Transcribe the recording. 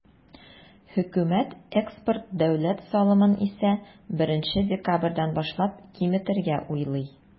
Хөкүмәт экспорт дәүләт салымын исә, 1 декабрьдән башлап киметергә уйлый.